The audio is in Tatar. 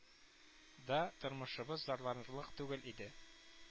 Да, тормышыбыз зарланырлык түгел иде